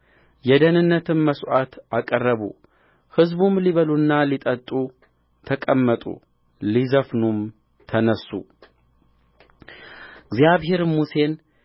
የደኅነትም መሥዋዕት አቀረቡ ሕዝቡም ሊበሉና ሊጠጡ ተቀመጡ ሊዘፍኑም ተነሡ እግዚአብሔርም ሙሴን